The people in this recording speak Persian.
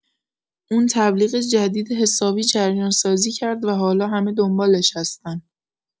اون تبلیغ جدید حسابی جریان‌سازی کرد و حالا همه دنبالش هستن.